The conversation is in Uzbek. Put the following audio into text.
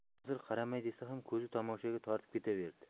hozir qaramay desa ham ko'zi tamoshaga tortib ketaverdi